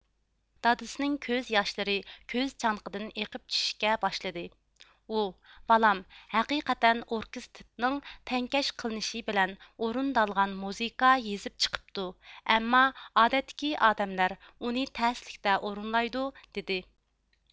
دادىسىنىڭ كۆز ياشلىرى كۆز چانىقىدىن ئېقىپ چۈشۈشكە باشلىدى ئۇ بالام ھەقىقەتەن ئوركىستدنىڭ تەڭكەش قىلىنىشى بىلەن ئورۇندالغان مۇزىكا يىزىپ چىقىپتۇ ئەمما ئادەتتكى ئادەملەر ئۇنى تەسلىكتە ئورۇنلايدۇ دېدى